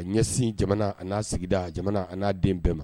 A ɲɛsin jamana ani n'a sigida a jamana ani n'a den bɛɛ ma